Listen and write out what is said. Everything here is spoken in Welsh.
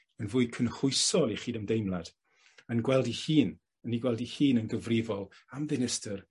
yn fwy cynhwysol 'i chydymdeimlad, yn gweld 'i hun yn 'i gweld 'i hun yn gyfrifol am ddinistyr